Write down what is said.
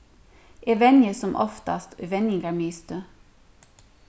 eg venji sum oftast í venjingarmiðstøð